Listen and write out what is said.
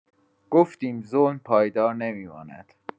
گفتیم ظلم پایدار نمی‌ماند.